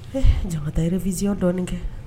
Ee jakata yɛrɛfisi dɔɔnin kɛ